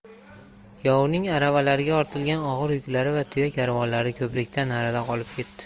yovning aravalarga ortilgan og'ir yuklari va tuya karvonlari ko'prikdan narida qolib ketdi